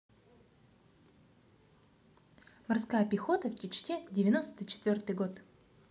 морская пехота в чечне девяносто четвертый год